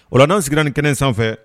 O la n'an sigira nin kɛnɛ in sanfɛ